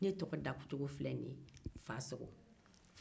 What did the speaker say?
ne tɔgɔ dacogo filɛ nin ye fassago